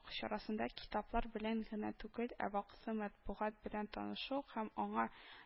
Чарасында китаплар белән генә түгел, ә вакытлы матбугат белән танышу һәм аңа